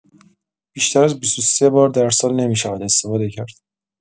بیشتر از ۲۳ بار در سال نمی‌شود استفاده کرد.